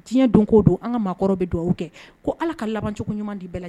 Diɲɛ don k'o don an ka maakɔrɔ bɛ dugawu kɛ ko ala ka labancogo ɲuman di bɛ lajɛ